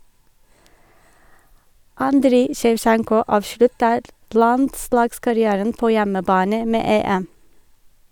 Andrij Sjevtsjenko avslutter landslagskarrieren på hjemmebane - med EM.